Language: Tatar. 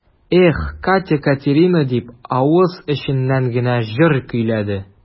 Эх, Катя-Катерина дип, авыз эченнән генә җыр көйләде.